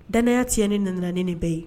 Danya ti ni nanaen ni bɛɛ ye